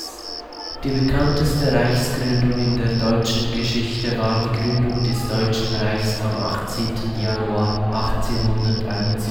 Die bekannteste Reichsgründung in der Deutschen Geschichte war die Gründung des Deutschen Reichs am 18. Januar 1871. Im